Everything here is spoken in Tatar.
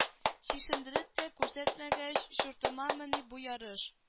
Чишендереп тә күрсәтмәгәч чуртымамыни бу ярыш